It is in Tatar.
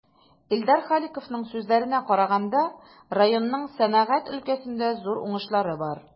Илдар Халиковның сүзләренә караганда, районның сәнәгать өлкәсендә зур уңышлары бар.